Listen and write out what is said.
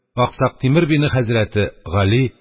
Аксак Тимер бине хәзрәте Гали